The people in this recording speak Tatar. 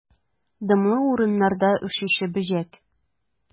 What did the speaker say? Дымлы урыннарда үрчүче бөҗәк.